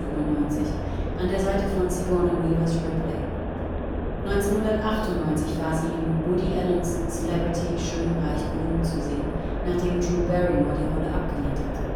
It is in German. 1997) an der Seite von Sigourney Weavers Ripley. 1998 war sie in Woody Allens Celebrity – Schön. Reich. Berühmt. zu sehen, nachdem Drew Barrymore die Rolle abgelehnt hatte